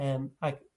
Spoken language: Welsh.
Yrm ag